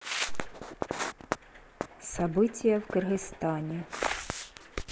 события в кыргызстане